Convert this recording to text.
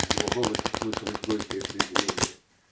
-- В его голосе слышалось горькое презрение.